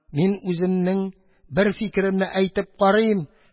Мин үземнең бер фикеремне әйтеп карыйм.